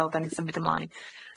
Fel da ni di symud ymlaen.